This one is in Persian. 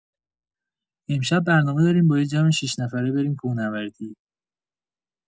امشب برنامه داریم با یه جمع شش‌نفره بریم کوه‌نوردی.